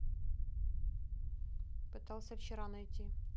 пытался вчера найти